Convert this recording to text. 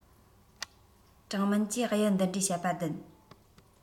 ཀྲང མན གྱིས གཡུ འདི འདྲའི བཤད པ བདེན